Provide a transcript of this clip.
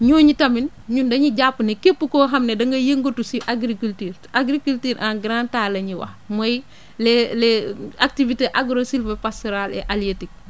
ñooñu tamit ñun dañuy jàpp ne képp koo xam ne dangay yëngatu si agriculture te agriculture en grand A la ñuy wax mooy les les activités agrosilvopastoral et halieutique